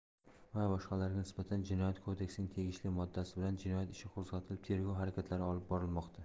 va boshqalarga nisbatan jinoyat kodeksining tegishli moddasi bilan jinoyat ishi qo'zg'atilib tergov harakatlari olib borilmoqda